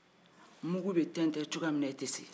mugu bɛ tɛntɛn cogoya min na e tɛ se